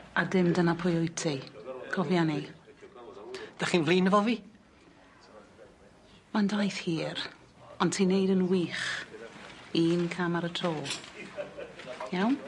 A dim dyna pwy wyt ti. Cofia 'ny. Dach chi'n flin efo fi? Ma'n daith hir, ond ti'n neud yn wych, un cam ar y tro. Iawn?